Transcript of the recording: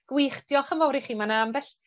Gwych diolch yn fowr i chi. Ma' 'na ambell